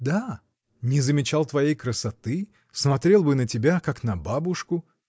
— Да. — Не замечал твоей красоты, смотрел бы на тебя, как на бабушку.